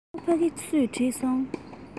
རི མོ ཕ གི སུས བྲིས སོང